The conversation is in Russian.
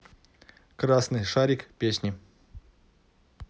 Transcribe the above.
красный шарик песни